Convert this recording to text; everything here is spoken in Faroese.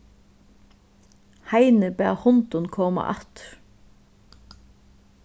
heini bað hundin koma aftur